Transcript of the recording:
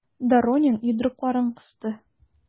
Доронин йодрыкларын кысты.